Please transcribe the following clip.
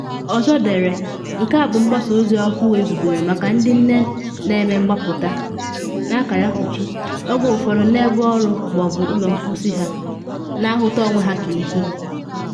Ọzọ dere: “Nke a bụ mgbasa ozi ọhụụ ezubere maka ndi nne na eme mgbapụta (oge ụfọdụ n’ebe ọrụ ma ọ bụ ụlọ mposi ha) na ahụta onwe ha ka “ehi.”